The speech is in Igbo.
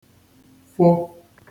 fụ